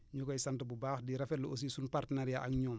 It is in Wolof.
ñu koy sant bu baax di rafetlu aussi sunu partenariat ak ñoom